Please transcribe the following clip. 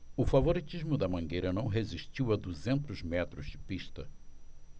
o favoritismo da mangueira não resistiu a duzentos metros de pista